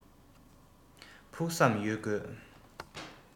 ཕུགས བསམ ཡོད དགོས